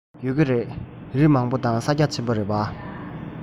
ཡོད ཀྱི རེད རི མང པོ དང ས རྒྱ ཆེན པོ རེད པ